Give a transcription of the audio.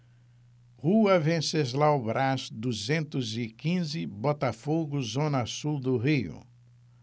rua venceslau braz duzentos e quinze botafogo zona sul do rio